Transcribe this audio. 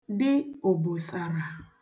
dị òbòsàrà